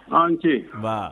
An tɛ baa